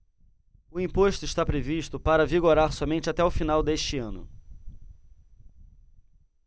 o imposto está previsto para vigorar somente até o final deste ano